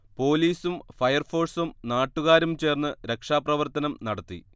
പോലീസും ഫയർഫോഴ്സും നാട്ടുകാരും ചേർന്ന് രക്ഷാപ്രവർത്തനം നടത്തി